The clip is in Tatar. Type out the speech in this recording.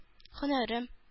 Һөнәрем